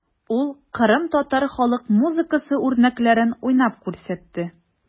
Ул кырымтатар халык музыкасы үрнәкләрен уйнап күрсәтте.